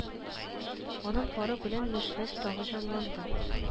Аның пары белән мәҗлес тагы җанланды